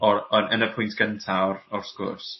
O'r yn yn y pwynt gynta o'r o'r sgwrs.